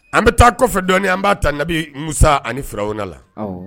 An bɛ taa dɔnni an b'a ta nabi musa ani fɛrɛ la